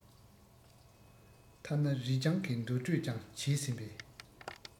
ཐ ན རི སྤྱང གི འདུར འགྲོས ཀྱང གྱེས ཟིན པས